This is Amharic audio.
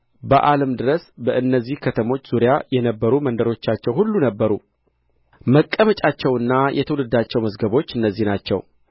በኣልም ድረስ በእነዚህ ከተሞች ዙሪያ የነበሩ መንደሮቻቸው ሁሉ ነበሩ መቀመጫቸውና የትውልዳቸው መዝገቦች እነዚህ ናቸው